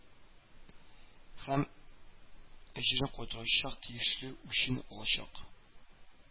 Һәм әҗерен кайтарачак, тиешле үчен алачак